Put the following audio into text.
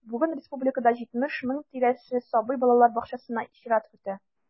Бүген республикада 70 мең тирәсе сабый балалар бакчасына чират көтә.